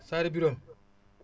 Saare Birame